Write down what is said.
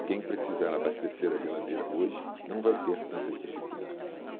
quem precisar abastecer a geladeira hoje não vai ter tantas dificuldades